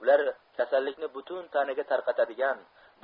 ular kasallikni butun tanaga tarqatadigan